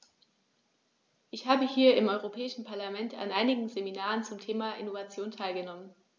Ich habe hier im Europäischen Parlament an einigen Seminaren zum Thema "Innovation" teilgenommen.